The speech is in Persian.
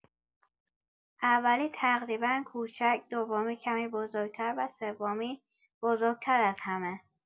اولی تقریبا کوچک، دومی کمی بزرگ‌تر و سومی بزرگ‌تر از همه.